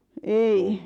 ei